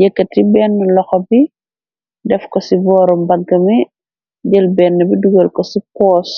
yëkkat yi benn loxo bi def ko ci booro mbaggami. Jël benn bi duger ko ci poos.